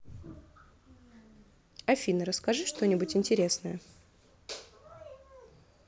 афина расскажи что нибудь интересное